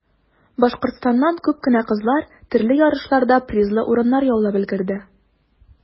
Башкортстаннан күп кенә кызлар төрле ярышларда призлы урыннар яулап өлгерде.